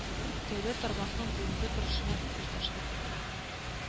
Тәүдә тармакның бүгенге торышына күз ташлыйк